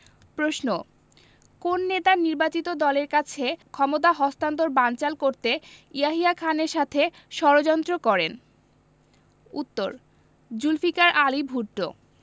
প্রশ্ন কোন নেতা নির্বাচিত দলের কাছে ক্ষমতা হস্তান্তর বানচাল করতে ইয়াহিয়া খানের সাথে ষড়যন্ত্র করেন উত্তরঃ জুলফিকার আলী ভুট্ট